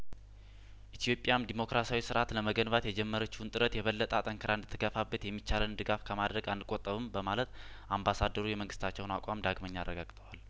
ኢትዮጵያም ዴሞክራሲያዊ ስርአት ለመገንባት የጀመረችውን ጥረት የበለጠ አጠንክራ እንድት ገፋበት የሚቻለንን ድጋፍ ከማድረግ አንቆጠብም በማለት አምባሳደሩ የመንግስታቸውን አቋም ዳግመኛ አረጋ ግጠዋል